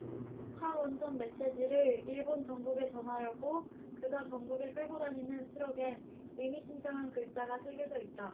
탈원전 메시지를 일본 전국에 전하려고 그가 전국에 끌고 다니는 트럭엔 의미심장한 글자가 새겨져 있다